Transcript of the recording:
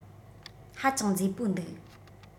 ཧ ཅང མཛེས པོ འདུག